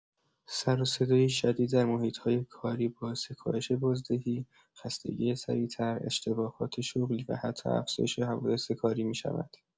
سر و صدای شدید در محیط‌های کاری باعث کاهش بازدهی، خستگی سریع‌تر، اشتباهات شغلی و حتی افزایش حوادث کاری می‌شود.